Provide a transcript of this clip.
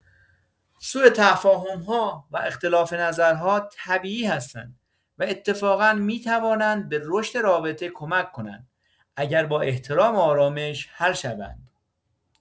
سوءتفاهم‌ها و اختلاف‌نظرها طبیعی هستند و اتفاقا می‌توانند به رشد رابطه کمک کنند، اگر با احترام و آرامش حل شوند.